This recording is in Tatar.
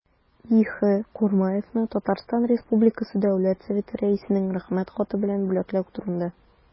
И.Х. Курмаевны Татарстан республикасы дәүләт советы рәисенең рәхмәт хаты белән бүләкләү турында